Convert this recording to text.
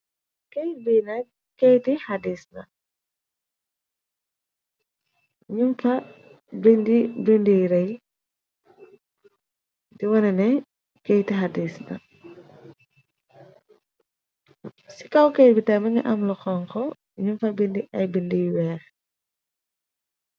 Keyti bi nak keyeti xadis la nyung fa bindi bindi yu rey di wana ne keyti xadis la. Ci kaw keyeti bi mi nga am lu xonko ñyung fa bindi ay bindi yu weex.